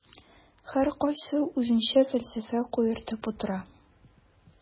Һәркайсы үзенчә фәлсәфә куертып утыра.